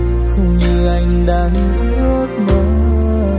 không như anh đã ước mong